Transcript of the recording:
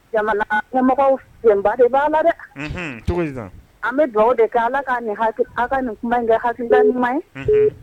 Jamana nimɔgɔw fiba b'a la dɛ an bɛ dugaw de kɛ ala ka nin nin kuma kɛ hakiina ɲuman ye